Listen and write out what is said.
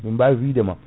min mbawi widema